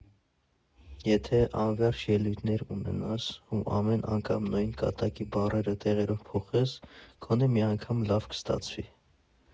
Եթե անվերջ ելույթներ ունենաս ու ամեն անգամ նույն կատակի բառերը տեղերով փոխես, գոնե մի անգամ լավ կստացվի։